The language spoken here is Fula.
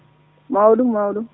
mawɗum mawɗum